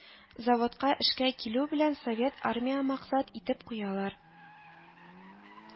Заводка эшкә килү белән совет армиямаксат итеп куялар